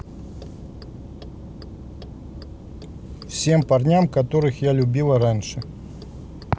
всем парням которых я любила раньше